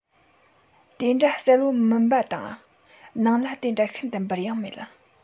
དེ འདྲ གསལ པོ མིན པ དང ནང ལ དེ འདྲ ཤིན ཏུ འབུར ཡང མེད